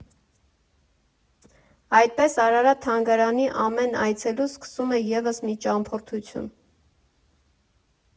Այդպես, Արարատ թանգարանի ամեն այցելու սկսում է ևս մի ճամփորդություն։